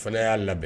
Fana y'a labɛn